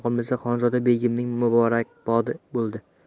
yoqimlisi xonzoda begimning muborakbodi bo'ldi